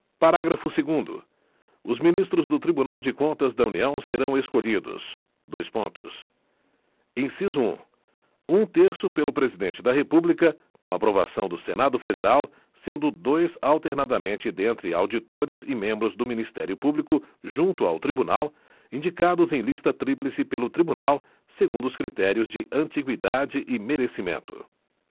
parágrafo segundo os ministros do tribunal de contas da união serão escolhidos dois pontos inciso um um terço pelo presidente da república com aprovação do senado federal sendo dois alternadamente dentre auditores e membros do ministério público junto ao tribunal indicados em lista tríplice pelo tribunal segundo os critérios de antigüidade e merecimento